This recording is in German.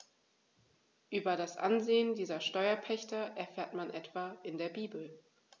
Über das Ansehen dieser Steuerpächter erfährt man etwa in der Bibel.